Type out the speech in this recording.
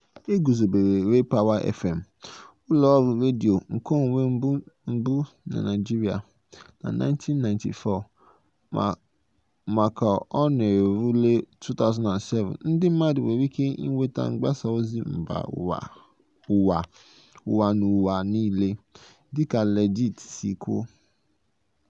E gụzọbere RayPower FM, ụlọ ọrụ redio nkeonwe mbụ na Naịjirịa, na 1994, ma ka ọ na-erule 2007, ndị mmadụ nwere ike ịnweta mgbasa ozi mba ụwa n'ụwa niile, dịka Legit si kwuo.